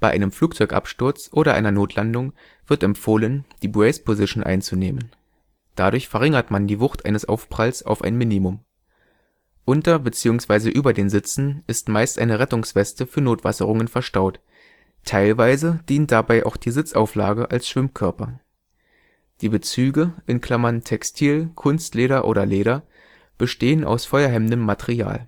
einem Flugzeugabsturz oder einer Notlandung wird empfohlen die Brace position einzunehmen. Dadurch verringert man die Wucht eines Aufpralls auf ein Minimum. Unter bzw. über den Sitzen ist meist eine Rettungsweste für Notwasserungen verstaut, teilweise dient dabei auch die Sitzauflage auch als Schwimmkörper. Die Bezüge (Textil, Kunstleder, Leder) bestehen aus feuerhemmendem Material